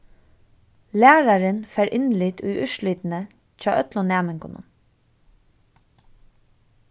lærarin fær innlit í úrslitini hjá øllum næmingunum